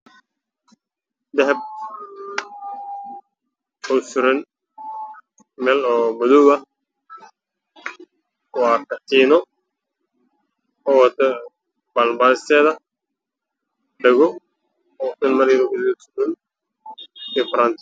kattinad dahab ah oo suran meel madow ah katiinada waadahabi